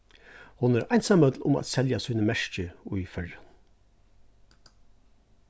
hon er einsamøll um at selja síni merki í føroyum